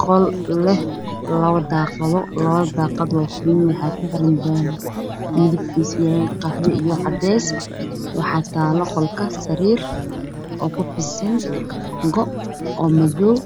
Qol leh labo daaqadod qolka waxaa yaalo sariir waxaa ku fidsan go madow